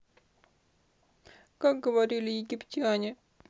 как говорили египтяне